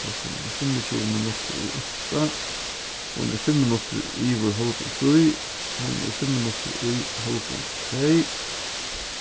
klokkan er fimmogtjúgu minuttir í átta hon er fimm minuttir yvir hálvgum trý hon er fimm minuttir í hálvgum tvey